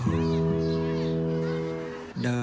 đời